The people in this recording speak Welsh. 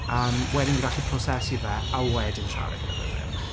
yym, wedyn fi'n gallu prosesu fe, a wedyn siarad gyda rywun.